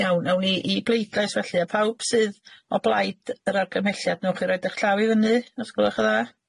Iawn, awn ni i bleidlais felly, a pawb sydd o blaid yr argymhelliad, newch chi roid 'ych llaw i fyny, os gwelwch yn dda?